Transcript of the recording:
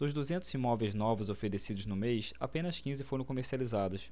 dos duzentos imóveis novos oferecidos no mês apenas quinze foram comercializados